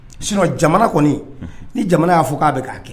Sinon jamana kɔni ni jamana y'a fɔ k'a bɛ kɛ a bɛ kɛ